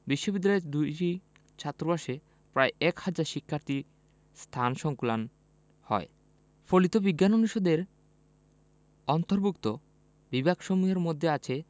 বিশ্ববিদ্যালয়ের দুটি ছাত্রবাসে প্রায় এক হাজার শিক্ষার্থীর স্থান সংকুলান হয় ফলিত বিজ্ঞান অনুষদের অন্তর্ভুক্ত বিভাগসমূহের মধ্যে আছে